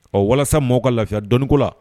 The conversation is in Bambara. Ɔ walasa mɔgɔw ka lafiya dɔnni ko la